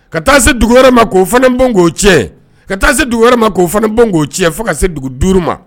Ka taa se dugu wɛrɛ ma k'o fana bon k'o tiɲɛn, ka taa se dugu wɛrɛ ma k' o fana bɔ k'o tiɲɛ, fo ka se dugu 5 ma.